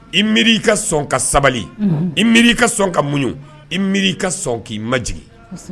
I mi i ka sɔn ka sabali i mi i ka sɔn ka muɲ i mi ka sɔn k'i maj